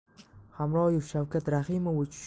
hamroyev shavkat rahimovich